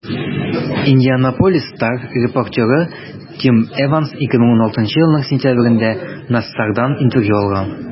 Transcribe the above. «индианаполис стар» репортеры тим эванс 2016 елның сентябрендә нассардан интервью алган.